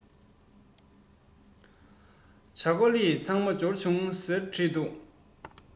ཇ ག ལི ཚང མ འབྱོར བྱུང ཟེར བྲིས འདུག